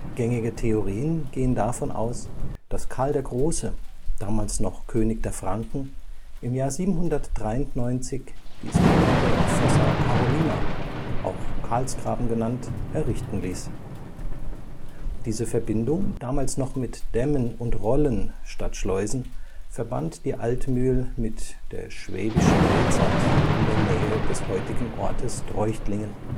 Gängige Theorien gehen davon aus, dass Karl der Große, damals noch König der Franken, im Jahr 793 die sogenannte Fossa Carolina (auch Karlsgraben genannt) errichten ließ. Diese Verbindung, damals noch mit Dämmen und Rollen statt Schleusen, verband die Altmühl mit der Schwäbischen Rezat in der Nähe des heutigen Ortes Treuchtlingen